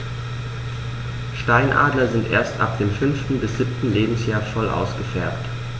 Steinadler sind erst ab dem 5. bis 7. Lebensjahr voll ausgefärbt.